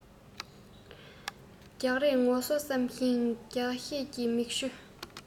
རྒྱག རེས ངོ གསོར བསམ ཞིང འགྱོད ཤགས ཀྱི མིག ཆུ